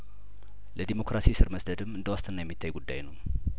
ለዲሞክራሲ ስር መስደድም እንደዋስትና የሚታይ ጉዳይ ነው